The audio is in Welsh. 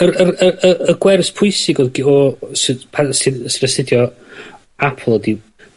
yr yr y y y gwers pwysig odd o sydd pabl sydd astudio Apple 'di